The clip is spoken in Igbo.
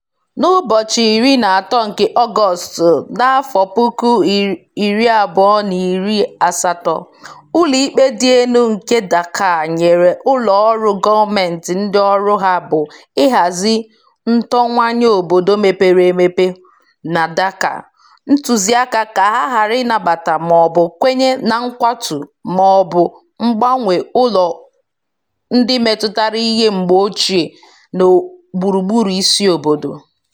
N'ụbọchị 13 nke Ọgọstụ, 2018, Ụlọ Ikpe Dị Elu nke Dhaka nyere ụlọ ọrụ gọọmentị ndị ọrụ ha bụ ịhazi ntonwanye obodo mepere emepe na Dhaka ntụziaka ka ha ghara ịnabata ma ọ bụ kwenye na nkwatu ma ọ bụ mgbanwe ụlọ ndị metụtara ihe mgbe ochie ns gburugburu isi obodo.